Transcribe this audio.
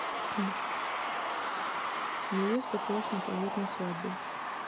невеста классно поет на свадьбе